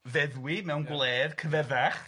feddwi mewn gwledd cyfeddach... Ia...